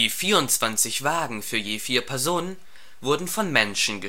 24 Wagen für je vier Personen wurden von Menschen